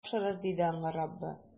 Тапшырыр, - диде аңа Раббы.